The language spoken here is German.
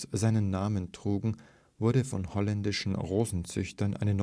seinen Namen trugen, wurde von holländischen Rosenzüchtern eine